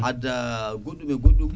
adda goɗɗum e goɗɗum